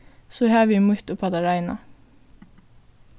so havi eg mítt upp á tað reina